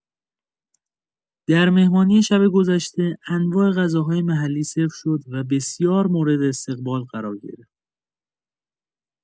در مهمانی شب گذشته، انواع غذاهای محلی سرو شد و بسیار مورد استقبال قرار گرفت.